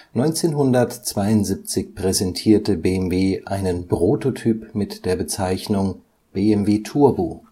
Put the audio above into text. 1972 präsentierte BMW einen Prototyp mit der Bezeichnung BMW Turbo